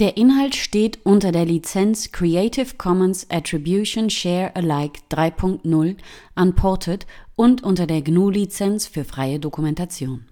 Inhalt steht unter der Lizenz Creative Commons Attribution Share Alike 3 Punkt 0 Unported und unter der GNU Lizenz für freie Dokumentation